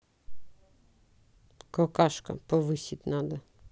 какашка повысить надо